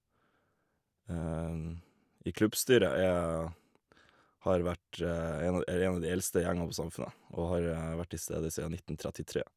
i Klubbstyret er har vært en av de er en av de eldste gjengene på Samfundet, og har vært til stede siden nitten trettitre.